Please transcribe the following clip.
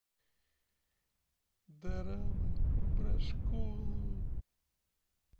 дорамы про школу